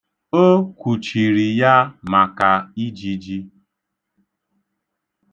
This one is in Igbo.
O kwuchiri ya maka ijiji.